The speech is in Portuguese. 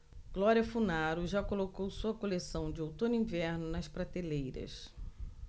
glória funaro já colocou sua coleção de outono-inverno nas prateleiras